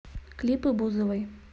клипы бузовой